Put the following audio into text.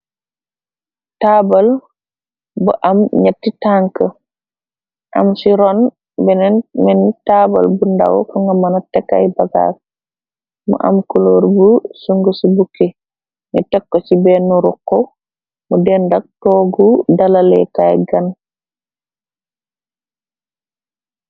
Taabal bu am netti tank am si ron beneen menni taabal bu ndaw ko nga mëna tekay bagaag mu am kulóor bu sungu si bukke ni tekko ci benn ruko mu dendak toogu dalaleekaay gan.